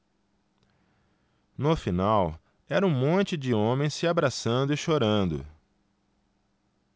no final era um monte de homens se abraçando e chorando